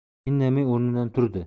indamay o'rnidan turdi